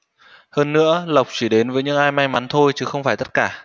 hơn nữa lộc chỉ đến với những ai may mắn thôi chứ không phải tất cả